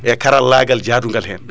e karallagal jadugal hen